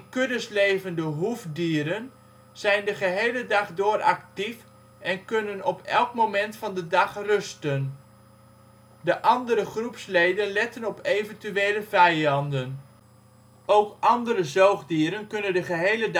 kuddes levende hoefdieren zijn de gehele dag door actief en kunnen op elk moment van de dag rusten. De andere groepsleden letten op eventuele vijanden. Ook voor andere zoogdieren kunnen de gehele